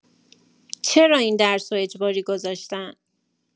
چرا این درسو اجباری گذاشتن؟